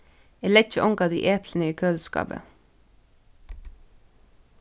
eg leggi ongantíð eplini í køliskápið